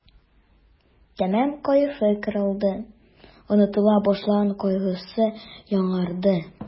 Тәмам кәефе кырылды, онытыла башлаган кайгысы яңарды.